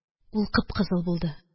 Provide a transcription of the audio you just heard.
Ул кып-кызыл булды.